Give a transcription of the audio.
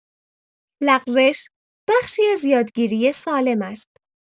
لغزش بخشی از یادگیری سالم است.